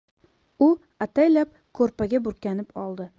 u ataylab ko'rpaga burkanib oldi